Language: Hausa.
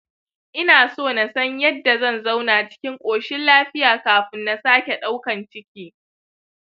inaso nasan yaadda dan zauna cikin koshin lafiya kafun nasake daukan ciki.